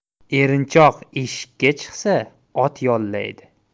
erinchoq eshikka chiqsa ot yollaydi